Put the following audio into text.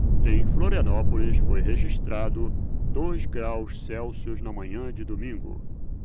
em florianópolis foi registrado dois graus celsius na manhã de domingo